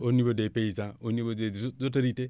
au niveau des paysans au niveau des au autorités